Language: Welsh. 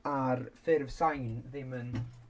Ar ffurf sain ddim yn...